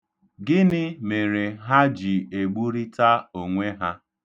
Gịnị mere ha ji egburịta onwe ha?